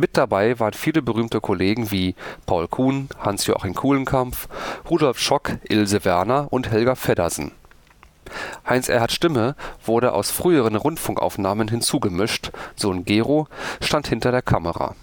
dabei waren viele berühmte Kollegen wie Paul Kuhn, Hans-Joachim Kulenkampff, Rudolf Schock, Ilse Werner und Helga Feddersen. Heinz Erhardts Stimme wurde aus früheren Rundfunkaufnahmen hinzugemischt, Sohn Gero stand hinter der Kamera